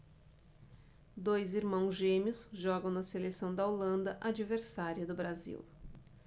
dois irmãos gêmeos jogam na seleção da holanda adversária do brasil